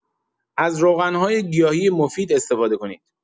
از روغن‌های گیاهی مفید استفاده کنید.